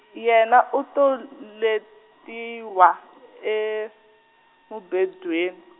yena u to latiwa emubedweni.